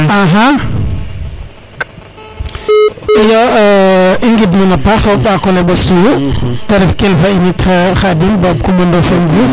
axa iyo i ngid mana paax o mbako le mbostuwu te ref kilifa in Khdim bab Coumba Ndofen Diouf